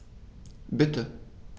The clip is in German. Bitte.